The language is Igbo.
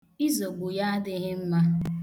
Ịzọgbu ya adịghị mma.